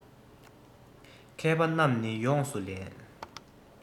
མཁས པ རྣམས ནི ཡོངས སུ ལེན